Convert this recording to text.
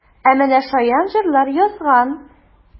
Ә менә шаян җырлар язган!